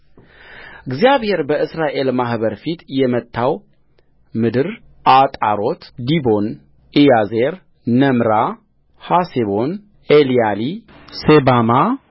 እግዚአብሔር በእስራኤል ማኅበር ፊት የመታው ምድር አጣሮት ዲቦን ኢያዜር ነምራ ሐሴቦን ኤልያሊ ሴባማ